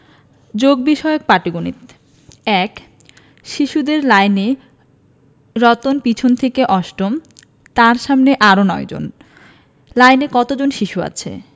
যোগ বিষয়ক পাটিগনিতঃ ১ শিশুদের লাইনে রতন পিছন থেকে অষ্টম তার সামনে আরও ৯ জন লাইনে কত জন শিশু আছে